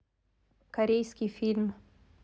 корейский фильм